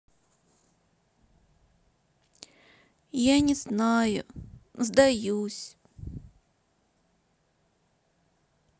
я не знаю сдаюсь